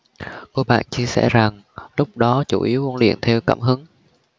cô bạn chia sẻ rằng lúc đó chủ yếu ôn luyện theo cảm hứng